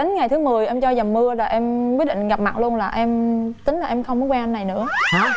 đến ngày thứ mười em cho dầm mưa là em quyết định gặp mặt luôn là em tính em không quen này nữa